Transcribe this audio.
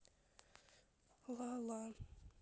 ла ла